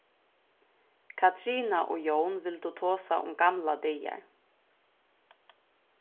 katrina og jón vildu tosa um gamlar dagar